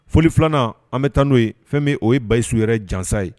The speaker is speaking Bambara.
Fɔli filanan an bɛ taa n'o ye fɛn min o ye Bayusu yɛrɛ jansa ye